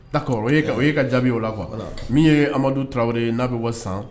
Da ka e o ye ka jaabi o la qu min ye amadu tarawele de ye n'a bɛ bɔ san